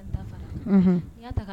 Unhun! N'i y'a ka